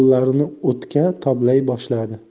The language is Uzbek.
qo'llarini o'tga toblay boshladi